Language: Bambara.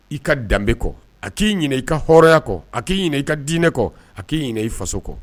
I ka danbebe kɔ a k'i ɲininka i ka hɔrɔnya kɔ a k'i ɲinin i ka diinɛ kɔ a k'i ɲinin i faso kɔ